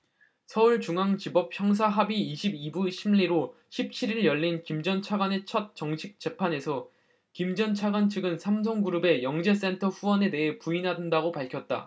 서울중앙지법 형사합의 이십 이 부 심리로 십 칠 일 열린 김 전 차관의 첫 정식 재판에서 김 전 차관 측은 삼성그룹의 영재센터 후원에 대해 부인한다고 밝혔다